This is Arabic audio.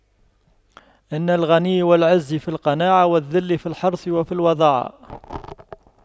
إن الغنى والعز في القناعة والذل في الحرص وفي الوضاعة